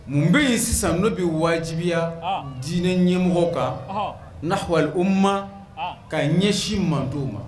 Mun bɛ yen sisan n'o bɛ wajibiya diinɛ ɲɛmɔgɔ kan nawali u ma ka ɲɛsin manden di ma